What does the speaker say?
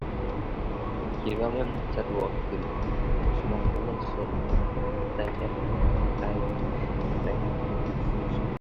ผมคิดว่ามันสะดวกขึ้นครับ บ่ต้องพกเงินสด ใช้แอปจ่ายได้ครับ